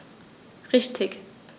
Richtig